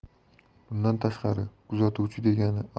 bundan tashqari kuzatuvchi degani